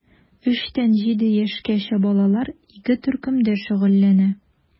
3 тән 7 яшькәчә балалар ике төркемдә шөгыльләнә.